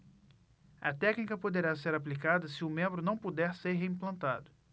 a técnica poderá ser aplicada se o membro não puder ser reimplantado